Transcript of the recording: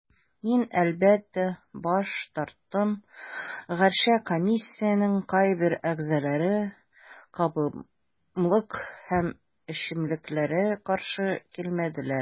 Мин, әлбәттә, баш тарттым, гәрчә комиссиянең кайбер әгъзаләре кабымлык һәм эчемлекләргә каршы килмәделәр.